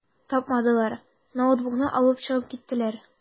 Тапмадылар, ноутбукны алып чыгып киттеләр.